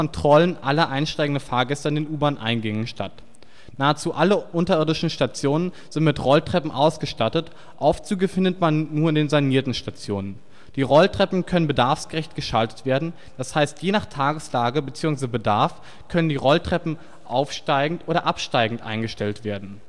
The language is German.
Kontrollen aller einsteigenden Fahrgäste an den U-Bahn-Eingängen statt. Nahezu alle unterirdischen Stationen sind mit Rolltreppen ausgestattet, Aufzüge findet man nur in den sanierten Stationen. Die Rolltreppen können bedarfsgerecht geschaltet werden, das heißt je nach Tageslage beziehungsweise Bedarf können die Rolltreppen aufsteigend oder absteigend eingestellt werden